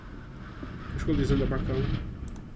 hvar skuldi eg senda pakkan